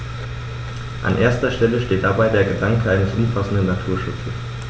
An erster Stelle steht dabei der Gedanke eines umfassenden Naturschutzes.